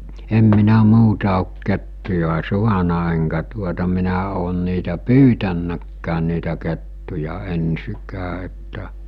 en minä muuta ole kettuja saanut enkä tuota minä ole niitä pyytänytkään niitä kettuja ensinkään että